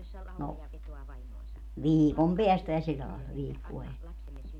no viikon päästä ja sillä lailla viikkoa ennen